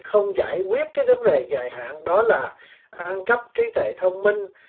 không giải quyết các vấn đề dài hạn đó là ăn cắp trí tuệ thông minh